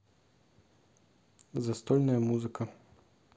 застольная музыка